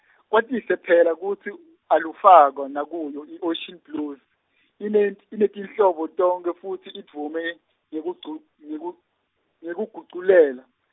kwatise phela kutsi alufakwa nakuyo i- Ocean Blues, ilent- inetinhlobo tonkhe futsi idvume ngekugu- ngeku, ngekuguculela.